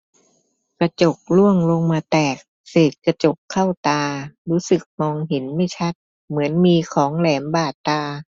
กระจกร่วงลงมาแตกเศษกระจกเข้าตารู้สึกมองเห็นไม่ชัดเหมือนมีของแหลมบาดตา